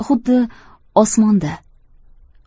xuddi osmonda